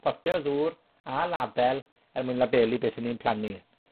potel ddŵr, a label, er mwyn labelu beth 'yn ni'n plannu.